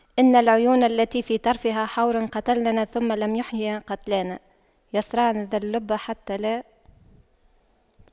إن العيون التي في طرفها حور قتلننا ثم لم يحيين قتلانا يَصرَعْنَ ذا اللب حتى لا